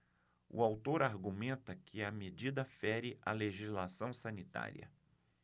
o autor argumenta que a medida fere a legislação sanitária